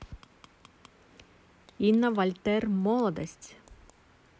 инна вальтер молодость